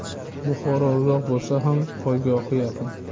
buxoro uzoq bo'lsa ham poygohi yaqin